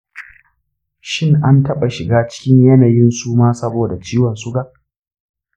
shin an taɓa shiga cikin yanayin suma saboda ciwon suga?